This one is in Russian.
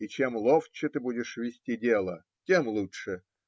и чем ловче ты будешь вести дело, тем лучше.